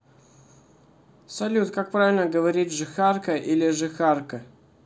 салют как правильно говорить жихарка или жихарка